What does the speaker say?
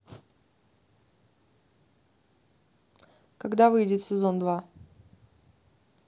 когда выйдет сезон два